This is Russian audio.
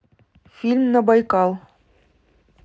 фильм на байкал